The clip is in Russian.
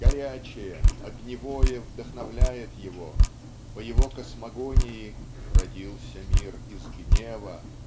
Горячее, огневое вдохновляет его по его космогонии "родился мир из гнева"